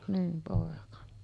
niin poika